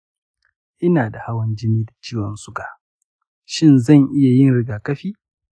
ina da hawan jini da ciwon suga; shin zan iya yin rigakafi?